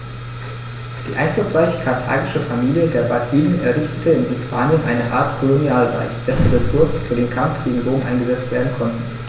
Die einflussreiche karthagische Familie der Barkiden errichtete in Hispanien eine Art Kolonialreich, dessen Ressourcen für den Kampf gegen Rom eingesetzt werden konnten.